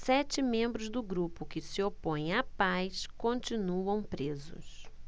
sete membros do grupo que se opõe à paz continuam presos